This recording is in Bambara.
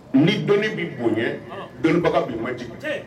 Ni dɔnnii bɛ bonya dɔnnibaga bɛ ma jigin